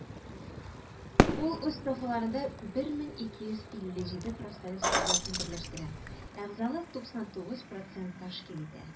Ул үз сафларында 1257 профсоюз әгъзасын берләштерә, әгъзалык 99 % тәшкил итә.